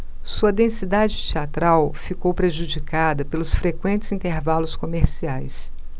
sua densidade teatral ficou prejudicada pelos frequentes intervalos comerciais